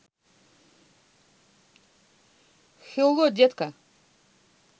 hello детка